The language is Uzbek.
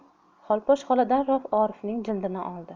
xolposh xola darrov orifning jildini oldi